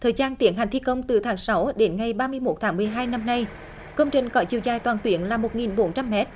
thời gian tiến hành thi công từ tháng sáu đến ngày ba mươi mốt tháng mười hai năm nay công trình có chiều dài toàn tuyến là một nghìn bốn trăm mét